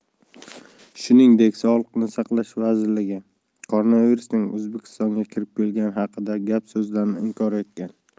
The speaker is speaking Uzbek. shuningdek sog'liqni saqlash vazirligi koronavirusning o'zbekistonga kirib kelgani haqidagi gap so'zlarni inkor etgan